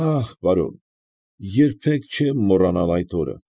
Ա՛հ, պարոն, երբեք չեմ մոռանալ այդ օրը։